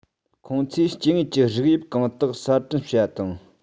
ཁོང ཚོས སྐྱེ དངོས ཀྱི རིགས དབྱིབས གང དག གསར སྐྲུན བྱས པ དང